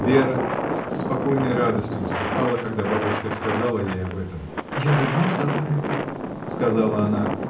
Вера с покойной радостью услыхала, когда бабушка сказала ей об этом: — Я давно ждала этого, — сказала она.